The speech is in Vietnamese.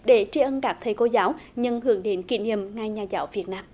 để tri ân các thầy cô giáo những hướng đến kỷ niệm ngày nhà giáo việt nam